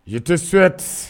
I tɛ su ten